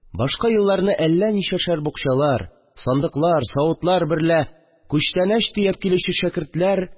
Башка елларны әллә ничәшәр букчалар, сандыклар, савытлар берлә маддә төяп килүче шәкертләр